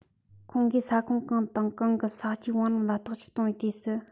ཁོང གིས ས ཁོངས གང དང གང གི ས གཤིས བང རིམ ལ རྟོག དཔྱོད གཏོང བའི དུས སུ